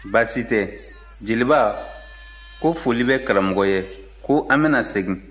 baasi tɛ jeliba ko foli bɛ karamɔgɔ ye ko an bɛna segin